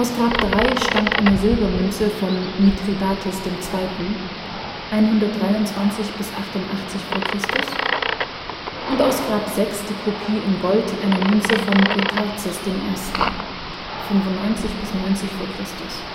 Grab 3 stammt eine Silbermünze von Mithridates II. (123 – 88 v. Chr.) und aus Grab 6 die Kopie in Gold einer Münze von Gotarzes I. (95 – 90 v. Chr.